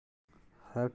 har kim o'ziga